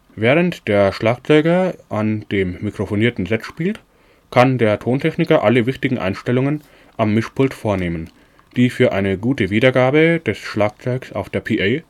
Während der Schlagzeuger an dem mikrofonierten Set spielt, kann der Tontechniker alle wichtigen Einstellungen am Mischpult vornehmen, die für eine gute Wiedergabe des Schlagzeugs auf der PA